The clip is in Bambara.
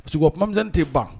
Mi tɛ ban